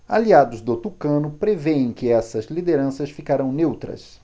aliados do tucano prevêem que essas lideranças ficarão neutras